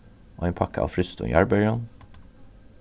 ein pakka av frystum jarðberjum